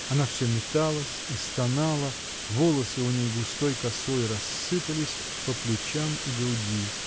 Она всё металась и стонала, волосы у ней густой косой рассыпались по плечам и груди.